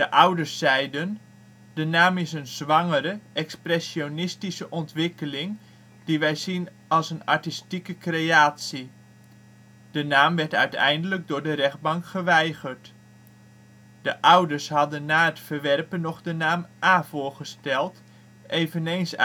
ouders zeiden: " De naam is een zwangere, expressionistische ontwikkeling, die wij zien als een artistieke creatie. " De naam werd uiteindelijk door de rechtbank geweigerd. De ouders hadden na het verwerpen nog de naam A voorgesteld, maar